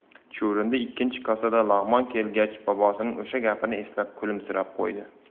chuvrindi ikkinchi kosada lag'mon kelgach bobosining o'sha gapini eslab kulimsirab qo'ydi